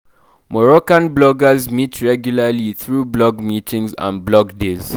Moroccan bloggers meet regularly through blog meetings and blog days.